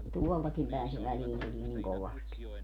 tuoltakin päin se väliin tulee niin kovasti